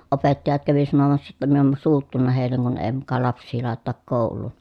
opettajat kävi sanomassa jotta minä olen suuttunut heille kun ei muka lapsia laiteta kouluun